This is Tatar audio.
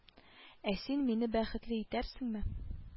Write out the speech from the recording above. Ә син мине бәхетле итәрсеңме